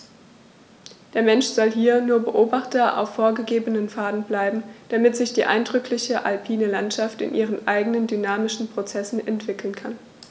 Der Mensch soll hier nur Beobachter auf vorgegebenen Pfaden bleiben, damit sich die eindrückliche alpine Landschaft in ihren eigenen dynamischen Prozessen entwickeln kann.